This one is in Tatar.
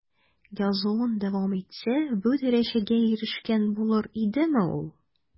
Язуын дәвам итсә, бу дәрәҗәгә ирешкән булыр идеме ул?